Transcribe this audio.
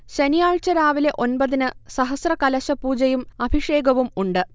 ശനിയാഴ്ച രാവിലെ ഒൻപതിന് സഹസ്രകലശപൂജയും അഭിഷേകവും ഉണ്ട്